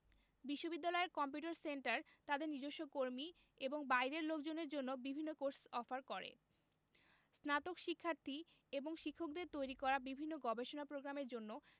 বিশ্ববিদ্যালয়ের computer centre তাদের নিজস্ব কর্মী এবং বাইরের লোকজনের জন্য বিভিন্ন কোর্স অফার করে স্নাতক শিক্ষার্থী এবং শিক্ষকদের তৈরি করা বিভিন্ন গবেষণা প্রোগ্রামের জন্য